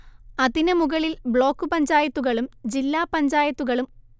അതിനു മുകളിൽ ബ്ലോക്ക് പഞ്ചായത്തുകളും ജില്ലാപഞ്ചായത്തുകളും